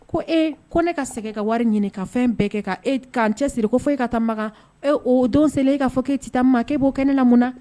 Ko e ko ne ka segin ka wari ɲini ka fɛn bɛɛ kɛ ka e'an cɛ siri ko fo e ka taa ee o don e ka' fɔ k'e tɛ taa ma k e b'o kɛ ne la mun na